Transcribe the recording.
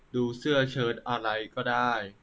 ดูเสื้อเชิร์ตอะไรก็ได้